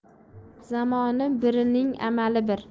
zamoni birning amali bir